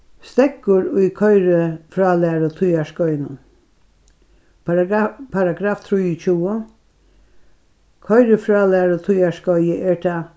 steðgur í koyrifrálærutíðarskeiðnum paragraf trýogtjúgu koyrifrálærutíðarskeiðið er tað